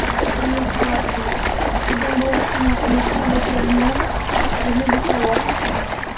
Аңлашыла ки, адәм баласына элекке гадәтләреннән арыну бик авыр.